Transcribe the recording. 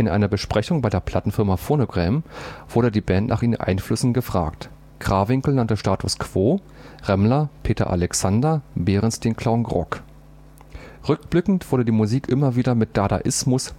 einer Besprechung bei der Plattenfirma Phonogram wurde die Band nach ihren Einflüssen gefragt: Krawinkel nannte Status Quo, Remmler Peter Alexander, Behrens den Clown Grock. Rückblickend wurde die Musik immer wieder mit Dadaismus